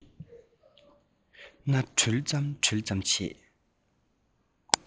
སྣ འགུལ ཙམ འགུལ ཙམ བྱེད